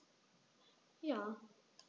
Ja.